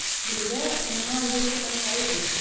Бездә моңа юл куймаслар иде.